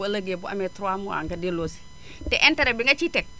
bu ëllëgee bu amee 3 mois nga delloosi te interet bi nga ciy teg